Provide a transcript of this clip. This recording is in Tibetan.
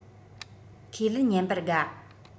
ཁས ལེན ཉན པར དགའ